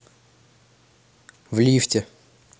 в лифте